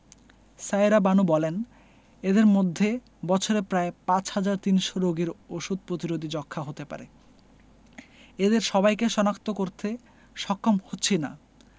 সায়েরা বানু বলেন এদের মধ্যে বছরে প্রায় ৫ হাজার ৩০০ রোগীর ওষুধ প্রতিরোধী যক্ষ্মা হতে পারে এদের সবাইকে শনাক্ত করতে সক্ষম হচ্ছি না